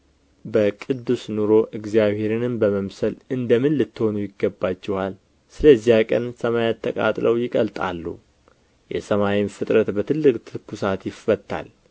በቅዱስ ኑሮ እግዚአብሔርንም በመምሰል እንደ ምን ልትሆኑ ይገባችኋል ስለዚያ ቀን ሰማያት ተቃጥለው ይቀልጣሉ የሰማይም ፍጥረት በትልቅ ትኵሳት ይፈታል